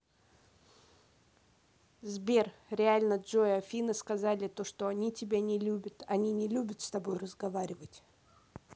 сбер реально джой афина сказали то что они тебя не любят они не любят с тобой разговаривать